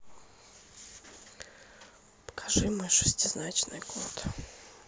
покажи мой шестизначный код